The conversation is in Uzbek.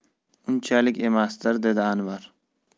unchalik emasdir dedi anvar